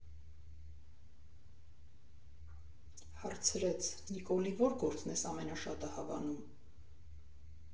Հարցրեց՝ Նիկոլի ո՞ր գործն ես ամենաշատը հավանում։